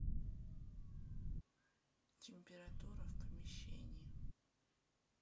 температура в помещении